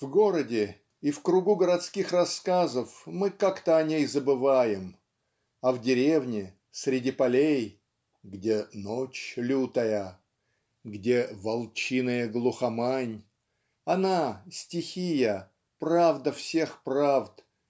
В городе и в кругу городских рассказов мы как-то о ней забываем а в деревне среди полей где "ночь лютая" где "волчиная глухомань" она стихия правда всех правд